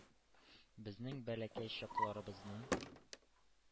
Безнең бәләкәй чакларыбызны.